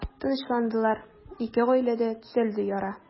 Тынычландылар, ике гаиләдә төзәлде яра.